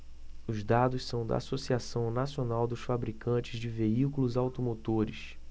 os dados são da anfavea associação nacional dos fabricantes de veículos automotores